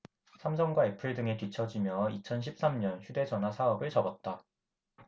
삼성과 애플 등에 뒤처지며 이천 십 삼 년 휴대전화사업을 접었다